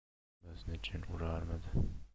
bizni jin urarmidi